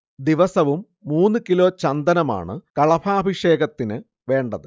ദിവസവും മൂന്ന് കിലോ ചന്ദനമാണ് കളഭാഭിഷേകത്തിനു വേണ്ടത്